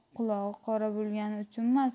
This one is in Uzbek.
qulog'i qora bo'lgani uchunmas